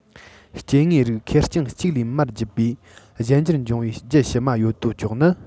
སྐྱེ དངོས རིགས ཁེར རྐྱང གཅིག ལས མར བརྒྱུད པའི གཞན འགྱུར བྱུང བའི རྒྱུད ཕྱི མ ཡོད དོ ཅོག ནི